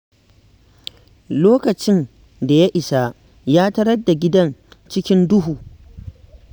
Lokacin da ya isa, ya tarar da gidan cikin duhu.